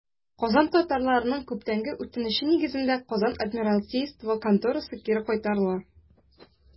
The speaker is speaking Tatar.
Казан татарларының күптәнге үтенече нигезендә, Казан адмиралтейство конторасы кире кайтарыла.